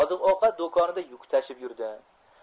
oziq ovqat do'konida yuk tashib yurdi